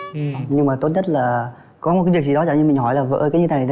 nhưng mà tốt nhất là có một cái việc gì đó dạng như mà nhỏ vợ ơi như thế này